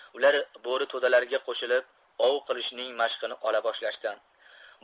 ular bo'ri to'dalariga qo'shilib ov qilishning mashqini ola boshlashdi